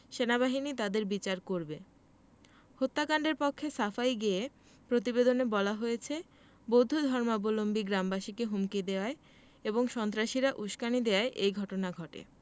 সেনাবাহিনী তাদের বিচার করবে হত্যাকাণ্ডের পক্ষে সাফাই গেয়ে প্রতিবেদনে বলা হয়েছে বৌদ্ধ ধর্মাবলম্বী গ্রামবাসীকে হুমকি দেওয়ায় এবং সন্ত্রাসীরা উসকানি দেওয়ায় এ ঘটনা ঘটে